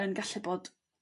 yn gallu bod